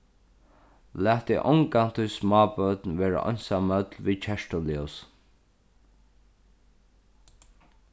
latið ongantíð smábørn vera einsamøll við kertuljósum